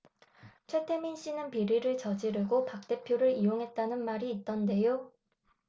최태민씨는 비리를 저지르고 박 대표를 이용했다는 말이 있던데요